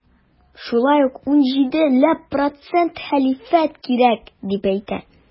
Шулай ук 17 ләп процент хәлифәт кирәк дип әйтә.